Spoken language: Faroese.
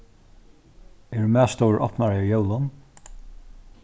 eru matstovur opnar á jólum